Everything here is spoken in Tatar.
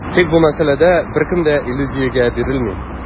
Тик бу мәсьәләдә беркем дә иллюзиягә бирелми.